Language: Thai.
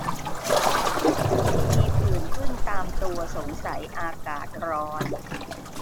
มีผื่นขึ้นตามตัวสงสัยอากาศร้อน